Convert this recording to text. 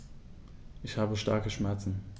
Ich habe starke Schmerzen.